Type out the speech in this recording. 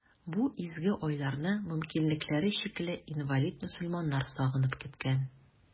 Бу изге айларны мөмкинлекләре чикле, инвалид мөселманнар сагынып көткән.